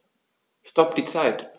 Stopp die Zeit